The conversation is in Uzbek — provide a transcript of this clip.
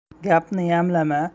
gapni yamlama